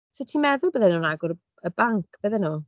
'Set ti'n meddwl bydden nhw'n agor y y banc bydden nhw?